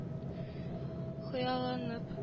Хыялланып